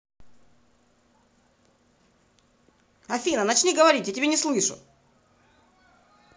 афина начни говорить я тебя не слышу